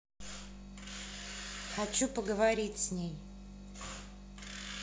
хочу поговорить с ней